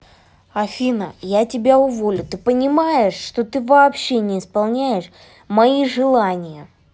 афина я тебя уволю ты понимаешь что ты вообще не исполняешь мои желания